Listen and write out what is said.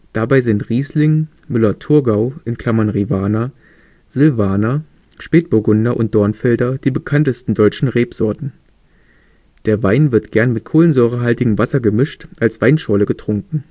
Dabei sind Riesling, Müller-Thurgau (Rivaner), Silvaner, Spätburgunder und Dornfelder die bekanntesten deutschen Rebsorten. Der Wein wird gern mit kohlensäurehaltigem Wasser gemischt als Wein-Schorle getrunken